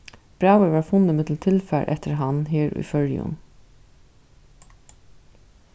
brævið varð funnið millum tilfar eftir hann her í føroyum